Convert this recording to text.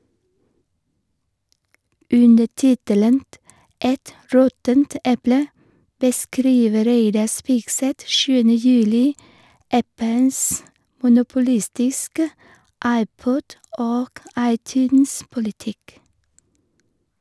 Under tittelen «Et råttent eple» beskriver Reidar Spigseth 7. juli Apples monopolistiske iPod- og iTunes-politikk.